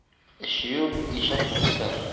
ishi yo'q eshak hurkitar